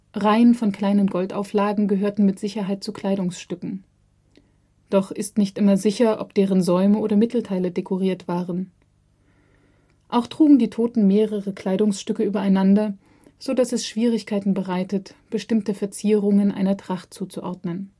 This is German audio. Reihen von kleinen Goldauflagen gehörten mit Sicherheit zu Kleidungsstücken. Doch ist nicht immer sicher, ob deren Säume oder Mittelteile dekoriert waren. Auch trugen die Toten mehrere Kleidungsstücke übereinander, so dass es Schwierigkeiten bereitet, bestimmte Verzierungen einer Tracht zuzuordnen